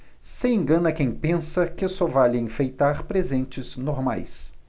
se engana quem pensa que só vale enfeitar presentes normais